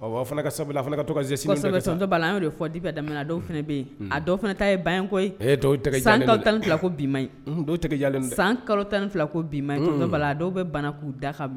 Z yɛrɛ fɔ di bɛ daminɛ dɔw fana yen a dɔw fana ta ye ba tan ko tigɛ san kalo tan fila ko dɔw bɛ bana k'u da kan